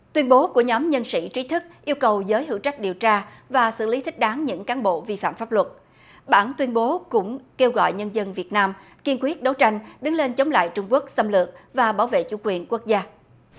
tuyên bố của nhóm nhân sĩ trí thức yêu cầu giới hữu trách điều tra và xử lý thích đáng những cán bộ vi phạm pháp luật bản tuyên bố cũng kêu gọi nhân dân việt nam kiên quyết đấu tranh đứng lên chống lại trung quốc xâm lược và bảo vệ chủ quyền quốc gia